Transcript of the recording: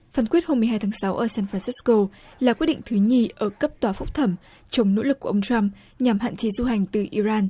phán quyết hôm mười hai tháng sáu ở san pha sít cô là quyết định thứ nhì ở cấp tòa phúc thẩm chống nỗ lực của ông trăm nhằm hạn chế du hành từ i răn